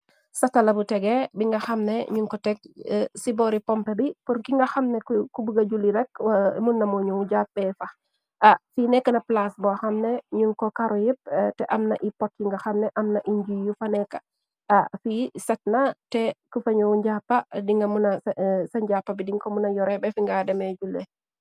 Satala bu tege bi nga xamne ñuñ ko teg ci boori pomp bi por ki nga xamne kubga juli rekk mun namu ñu jàppe fax.Fi nekkna plaase bo xamne ñun ko karo yépp te amna ippot yi nga xamne amna inji yu fa ekk.Fi setna te ku fañu njàppa di nga mn ca njàppa bi diñ ko muna yore ba fi nga demee jule.